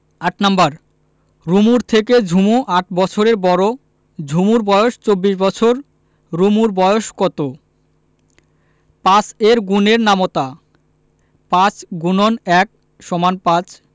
৮ number রুমুর থেকে ঝুমু ৮ বছরের বড় ঝুমুর বয়স ২৪ বছর রুমুর বয়স কত ৫ এর গুণের নামতা ৫× ১ = ৫